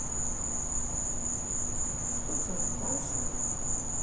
что делать дальше